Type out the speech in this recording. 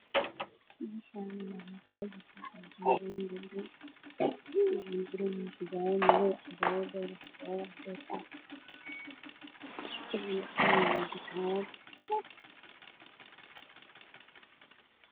Meshani waa masajid waxajogan gabdho waxeyna xiranyahin xijabo madow baar cades waxeyna qarinayan kutabo